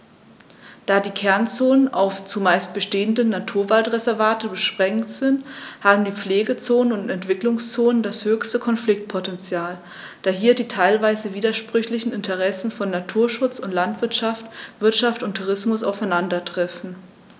Da die Kernzonen auf – zumeist bestehende – Naturwaldreservate beschränkt sind, haben die Pflegezonen und Entwicklungszonen das höchste Konfliktpotential, da hier die teilweise widersprüchlichen Interessen von Naturschutz und Landwirtschaft, Wirtschaft und Tourismus aufeinandertreffen.